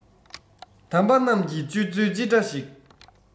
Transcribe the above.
དམ པ རྣམས ཀྱི སྤྱོད ཚུལ ཅི འདྲ ཞིག